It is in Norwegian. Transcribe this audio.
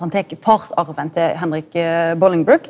han tek farsarven til Henrik Bullingbrook.